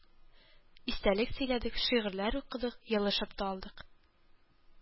Истәлекләр сөйләдек, шигырьләр укыдык, елашып та алдык